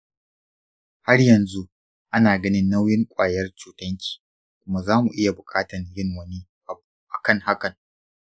har yanzu ana ganin nauyin ƙwayar cutanki kuma zamu iya buƙatan yin wani abu akan hakan.